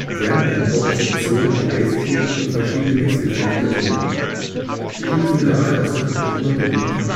Gern werden auch Kreationen wie Eistee und verschiedene Mixgetränke getrunken. Stilles Mineralwasser wird immer beliebter